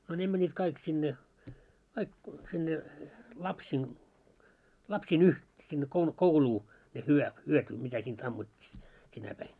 no ne menivät kaikki sinne kaikki sinne lapsien lapsien - sinne kouluun ne - hyötyi mitä siitä ammuttiin sinä päivänä